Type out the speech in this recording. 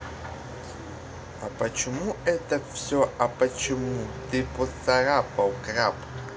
а почему это все а почему ты поцарапал краб